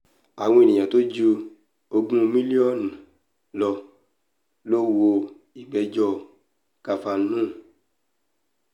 Àwọn ènìyàn tó ju ogún mílíọ̀nù lọ ló wo ìgbẹ́jọ́ Kavanaugh